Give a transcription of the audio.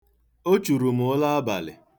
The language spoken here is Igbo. O churu m ụra abalị.